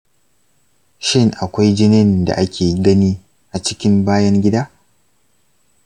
shin akwai jinin da ake gani a cikin bayan gida?